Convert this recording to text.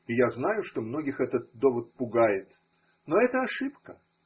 и я знаю, что многих этот довод пугает. Но это ошибка.